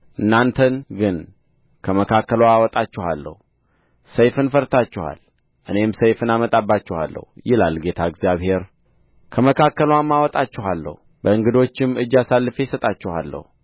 እናንተን ግን ከመካከልዋ አወጣችኋለሁ ሰይፍን ፈርታችኋል እኔም ሰይፍን አመጣባችኋለሁ ይላል ጌታ እግዚአብሔር ከመካከልዋም አወጣችኋለሁ በእንግዶችም እጅ አሳልፌ እሰጣችኋለሁ